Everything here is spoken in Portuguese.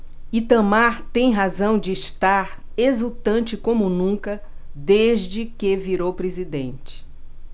itamar tem razão de estar exultante como nunca desde que virou presidente